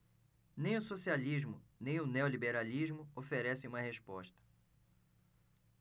nem o socialismo nem o neoliberalismo oferecem uma resposta